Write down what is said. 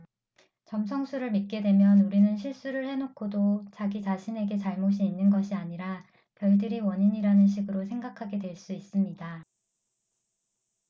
점성술을 믿게 되면 우리는 실수를 해 놓고도 자기 자신에게 잘못이 있는 것이 아니라 별들이 원인이라는 식으로 생각하게 될 수 있습니다